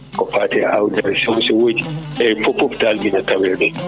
ko fate awɗele sewo sewoji eyyi fof dal ina taweɗo